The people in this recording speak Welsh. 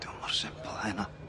'Di o mor simple a hynna.